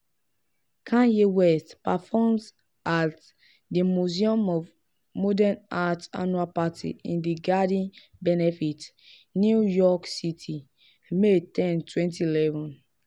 Kanye West performs at The Museum of Modern Art's annual Party in the Garden benefit, New York City, May 10, 2011.